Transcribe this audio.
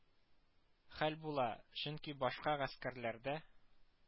Хәл була, чөнки башка гаскәрләрдә